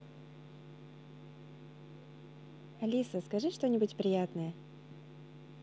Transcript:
алиса скажи что нибудь приятное